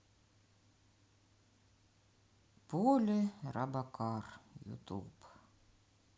поли робокар ютуб